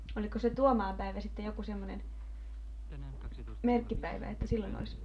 oliko se Tuomaan päivä sitten joku semmoinen merkkipäivä että silloin olisi